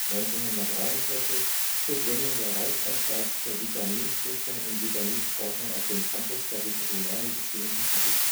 1943 zur Gründung der Reichsanstalt für Vitaminprüfung und Vitaminforschung auf dem Campus der Veterinärmedizinischen Fakultät